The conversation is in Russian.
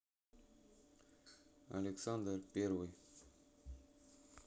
александр первый